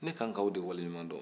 ne ka kan k'aw de waleɲumandɔn